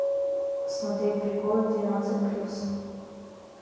смотреть приколы двенадцать плюс